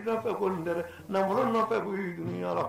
I' fɛ ko tɛ na nafolo nɔfɛ burunyɔrɔ